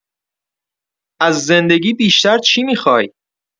از زندگی بیشتر چی می‌خوای؟